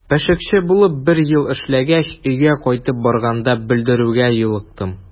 Пешекче булып бер ел эшләгәч, өйгә кайтып барганда белдерүгә юлыктым.